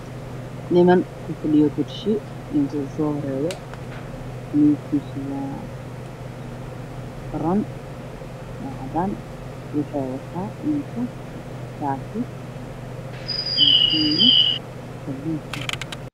Niman kufadhiyo kursi Kan soohoreeyo midabkiisu waa baraan cadaan wuxutaa shaati buluug ah